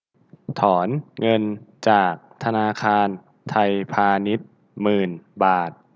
ถอนเงินจากธนาคารไทยพาณิชย์หมื่นบาท